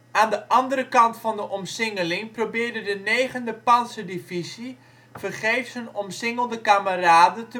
Aan de andere kant van de omsingeling probeerde de 9e pantserdivisie vergeefs hun omsingelde kameraden